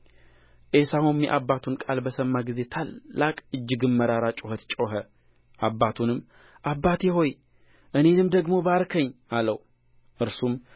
ዔሳውም የአባቱን ቃል በሰማ ጊዜ ታላቅ እጅግም መራራ ጩኸት ጮኸ አባቱንም አባቴ ሆይ እኔንም ደግሞ ባርከኝ አለው እርሱም